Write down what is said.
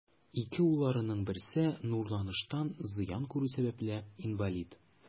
Ике улларының берсе нурланыштан зыян күрү сәбәпле, инвалид.